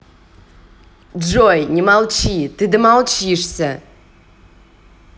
джой не молчи ты домолчишься